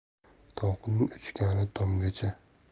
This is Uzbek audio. tovuqning uchgani tomgacha